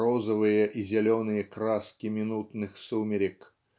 розовые и зеленые краски минутных сумерек